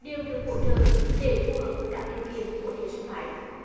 đều được hỗ trợ nếu phù hợp với các điều kiện của hệ sinh thái